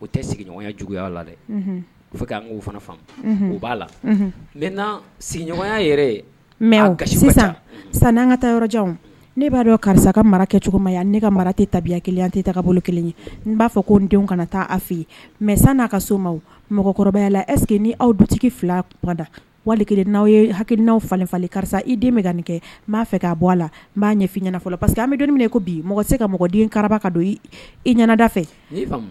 N ne b'a dɔn karisa ka kɛ ne ka tɛ tabiya tɛ ta kelen ye n b'a fɔ ko n denw kana taa fɔ ye mɛ san n'a ka so ma mɔgɔkɔrɔba la esseke ni'aw dutigi filada wali kelen n'aw ye ha n'aw falen falen karisa i den ka nin kɛ b'a fɛ k' bɔ a la n b'a ɲɛfin i ɲɛnafɔ pa parce que an bɛ don min ko bi mɔgɔ se ka mɔgɔden kara ka don i ɲɛnada fɛ